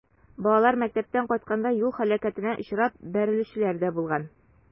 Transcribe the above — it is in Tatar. Балалар мәктәптән кайтканда юл һәлакәтенә очрап, биртелүчеләр дә булган.